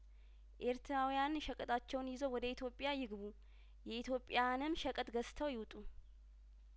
ኤርትራውያን ሸቀጣቸውን ይዘው ወደ ኢትዮጵያ ይግቡ የኢትዮጵያንም ሸቀጥ ገዝተው ይውጡ